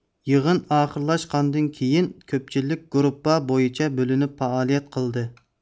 يىغىن ئاخىرلاشقاندىن كېيىن كۆپچىلىك گۇرۇپپا بويىچە بۆلۈنۈپ پائالىيەت قىلدى